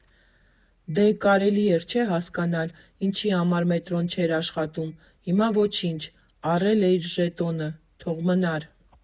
Դե կարելի էր չէ՞ հասկանալ՝ ինչի համար մետրոն չէր աշխատում, հիմա ոչինչ, առել էիր ժետոնը, թող մնար…